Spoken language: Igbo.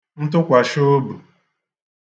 ntụkàshịobə̀